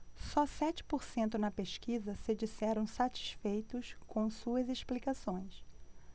só sete por cento na pesquisa se disseram satisfeitos com suas explicações